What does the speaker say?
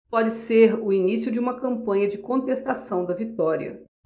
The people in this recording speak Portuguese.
pode ser o início de uma campanha de contestação da vitória